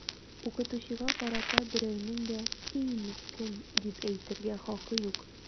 Укытучыга карата берәүнең дә “и, мескен” дип әйтергә хакы юк!